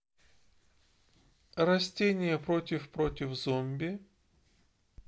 растения против против зомби